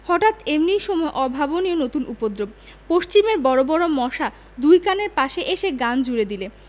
হঠাৎ এমনি সময় অভাবনীয় নতুন উপদ্রব পশ্চিমের বড় বড় মশা দুই কানের পাশে এসে গান জুড়ে দিলে